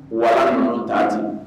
Wara ta ten